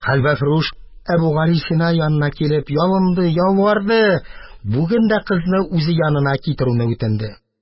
Хәлвәфрүш Әбүгалисина янына килеп ялынды-ялварды, бүген дә кызны үзе янына китерүне үтенде.